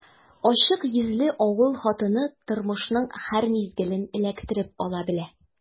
Ачык йөзле авыл хатыны тормышның һәр мизгелен эләктереп ала белә.